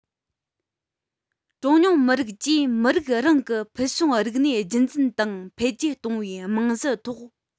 གྲངས ཉུང མི རིགས ཀྱིས མི རིགས རང གི ཕུལ བྱུང རིག གནས རྒྱུན འཛིན དང འཕེལ རྒྱས གཏོང བའི རྨང གཞིའི ཐོག